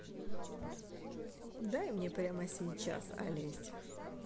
дай мне прямо сейчас алеся